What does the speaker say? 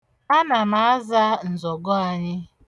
Ana m aza nzọgo anyị.